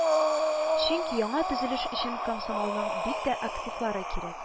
Чөнки яңа төзелеш өчен комсомолның бик тә активлары кирәк